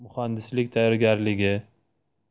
muhandislik tayyorgarligi